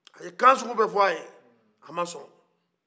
a ye kan sugubɛ fɔ a ye a ma sɔn